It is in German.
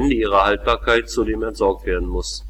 ihrer Haltbarkeit zudem entsorgt werden muss